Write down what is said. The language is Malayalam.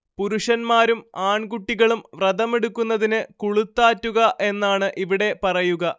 പുരുഷന്മാരും ആൺകുട്ടികളും വ്രതമെടുക്കുന്നതിന് കുളുത്താറ്റുക എന്നാണ് ഇവിടെ പറയുക